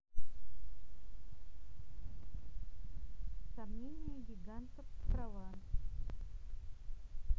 сомнения гигантов в прованс